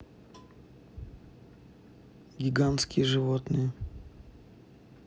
гигантские животные